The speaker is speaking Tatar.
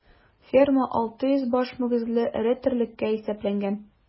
Ферма 600 баш мөгезле эре терлеккә исәпләнгән.